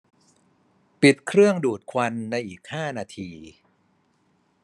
ปิดเครื่องดูดควันในอีกห้านาที